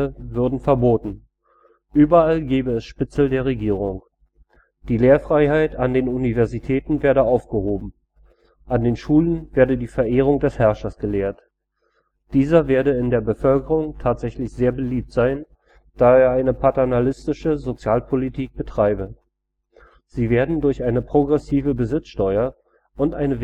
würden verboten, überall gebe es Spitzel der Regierung. Die Lehrfreiheit an den Universitäten werde aufgehoben, an den Schulen werde die Verehrung des Herrschers gelehrt. Dieser werde in der Bevölkerung tatsächlich sehr beliebt sein, da er eine paternalistische Sozialpolitik betreibe. Sie werde durch eine progressive Besitzsteuer und eine